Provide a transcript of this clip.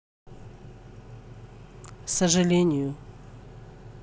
сожалению